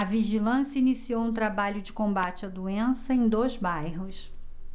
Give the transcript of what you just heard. a vigilância iniciou um trabalho de combate à doença em dois bairros